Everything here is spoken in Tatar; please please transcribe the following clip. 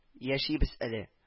Яшибез әле